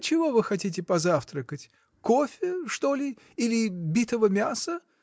Чего вы хотите позавтракать: кофе, что ли, или битого мяса?